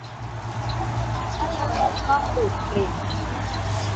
เปิดช่องดูดกลิ่น